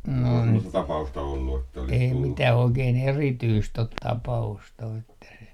no ei mitään oikein erityistä ole tapausta ole että se